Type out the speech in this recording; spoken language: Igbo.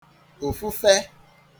òfufẹ